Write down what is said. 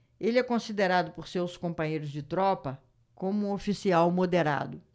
ele é considerado por seus companheiros de tropa como um oficial moderado